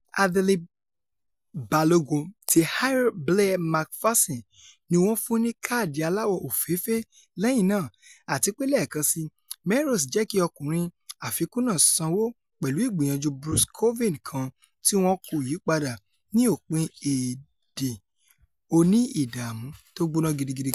Adele balógun ti Ayr Blair Macpherson niwọ́n fún ní káàdì aláwọ̀ òfééèfé lẹ́yìn náà, àtipé lẹ́ẹ̀kan síi, Melrose jẹ́kì ọkùnrin àfikún náà sanwó pẹ̀lú ìgbìyànjú Bruce Colvine kan tíwọn kò yípadà, ní òpin èèdi oní-ìdààmu tó gbóná gidigidi kan.